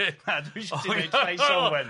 Na dwi isio ti neud llais Olwen.